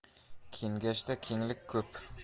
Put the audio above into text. kengashda kenglik ko'p